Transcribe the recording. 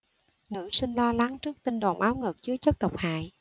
nữ sinh lo lắng trước tin đồn áo ngực chứa chất độc hại